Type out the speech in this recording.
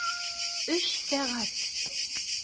Өч сәгать!